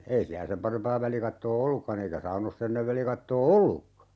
ei siellä sen parempaa välikattoa ollutkaan eikä saunoissa ennen välikattoa ollutkaan